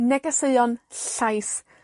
Negeseuon llais.